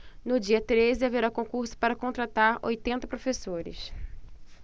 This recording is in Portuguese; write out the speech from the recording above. no dia treze haverá concurso para contratar oitenta professores